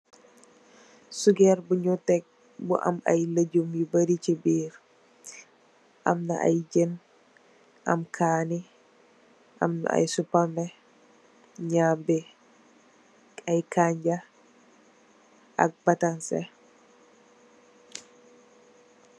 Sujer bunye tek bu am aye lejum yu bari amna aye jhen am kaneh am aye supameh nyambi aye kanja ak batenseh